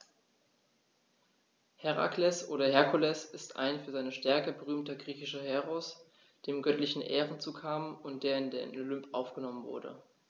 Herakles oder Herkules ist ein für seine Stärke berühmter griechischer Heros, dem göttliche Ehren zukamen und der in den Olymp aufgenommen wurde.